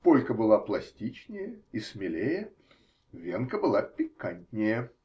Полька была пластичнее и смелее, венка была пикантнее.